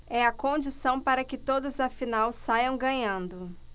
é a condição para que todos afinal saiam ganhando